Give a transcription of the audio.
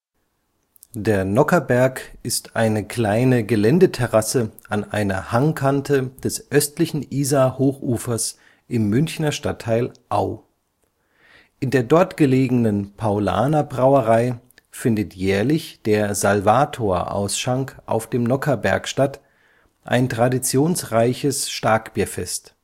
Der Nockherberg ist eine kleine Geländeterrasse an einer Hangkante des östlichen Isarhochufers im Münchner Stadtteil Au. In der dort gelegenen Paulaner-Brauerei findet jährlich der Salvator-Ausschank auf dem Nockherberg statt, ein traditionsreiches Starkbierfest